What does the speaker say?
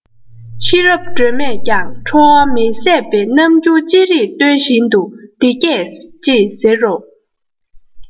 ཤེས རབ སྒྲོལ མས ཀྱང ཁྲོ བ མི ཟད པའི རྣམ འགྱུར ཅི རིགས སྟོན བཞིན དུ འདི སྐད ཅེས ཟེར རོ